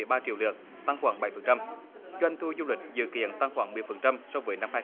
ba triệu lượt tăng khoảng bảy phần trăm doanh thu du lịch dự kiến tăng khoảng mười phần trăm so với năm hai